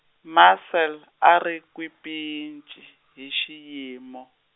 Marcel a ri kwipinji, hi xiyimo.